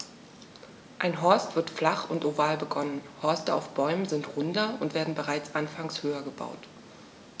Ein Horst wird flach und oval begonnen, Horste auf Bäumen sind runder und werden bereits anfangs höher gebaut.